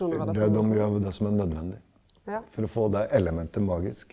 det dem gjør det som er nødvendig for å få det elementet magisk.